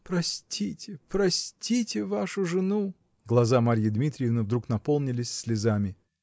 простите, простите вашу жену, -- Глаза Марьи Дмитриевны вдруг наполнились слезами.